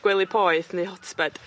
gwely poeth neu hotbed.